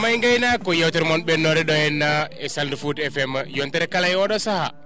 ndeema e gaynaka ko yewtetre moon ɓennore ɗo henna e Saldou Fouta FM yontere kala e oɗo sahaa